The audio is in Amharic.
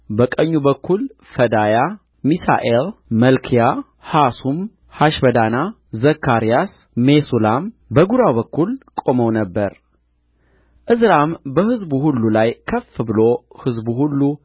በቀኙ በኩል ፈዳያ ሚሳኤል መልክያ ሐሱም ሐሽበዳና ዘካርያስ ሜሱላም በግራው በኩል ቆመው ነበር ዕዝራም በሕዝቡ ሁሉ ላይ ከፍ ብሎ ሕዝቡ ሁሉ